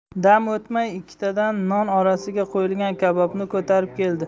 dam o'tmay ikkitadan non orasiga qo'yilgan kabobni ko'tarib keldi